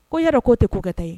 Ko i y'a dɔn k'o tɛ ko kɛ ta ye.